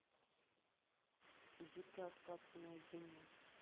зиппо остаться наедине